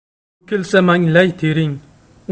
to'kilsa manglay tering